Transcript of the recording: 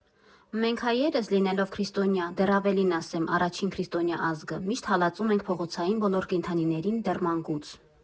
Մենք՝ հայերս, լինելով քրիստոնյա, դեռ ավելին ասեմ՝ առաջին քրիստոնյա ազգը, միշտ հալածում ենք փողոցային բոլոր կենդանիներին, դեռ մանկուց։